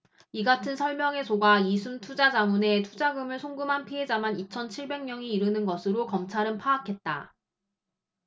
이 같은 설명에 속아 이숨투자자문에 투자금을 송금한 피해자만 이천 칠백 명이 이르는 것으로 검찰은 파악했다